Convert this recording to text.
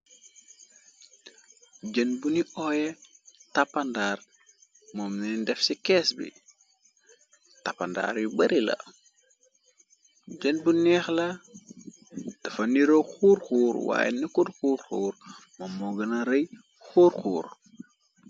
Jën bu nu oye tappandaar, moom nen def ci kees bi, tappandaar yu bari la, jën bu neex la, dafa niro xuur xuur waaye nekkur xuur , moom moo gëna rëy xuur xuur.